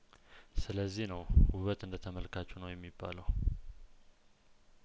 ስለዚህ ነውውበት እንደተመልካቹ ነው የሚባለው